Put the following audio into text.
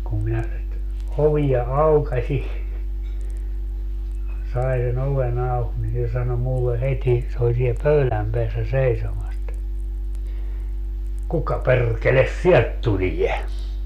kun minä ovea aukaisin sain sen oven auki niin se sanoi minulle heti se oli siellä pöydän päässä seisomassa että kuka perkele sieltä tulee